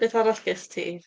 Beth arall gest ti?